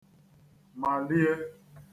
màlie